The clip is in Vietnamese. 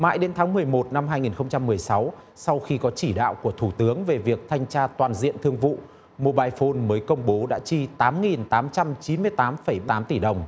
mãi đến tháng mười một năm hai nghìn không trăm mười sáu sau khi có chỉ đạo của thủ tướng về việc thanh tra toàn diện thương vụ mâu bai phôn mới công bố đã chi tám nghìn tám trăm chín mươi tám phẩy tám tỷ đồng